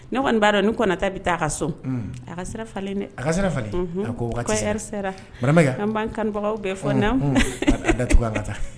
Ne kɔni b'a dɔn ni kɔnɔnata bɛ taa ka so a falen a a an'an kanubagaw bɛɛ fɔ n tugu ka taa